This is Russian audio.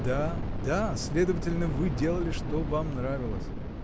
— Да, да, следовательно, вы делали, что вам нравилось.